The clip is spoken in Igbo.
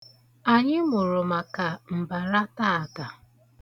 Anyị mụrụ maka mbara taata.